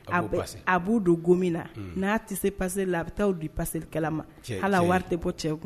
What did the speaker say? A a b'u don go min na n'a tɛ se paseli la a bɛ taa di paselikɛla ma ala wari tɛ bɔ cɛ kun